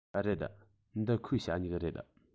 རེད འདི ཁོའི ཞ སྨྱུག རེད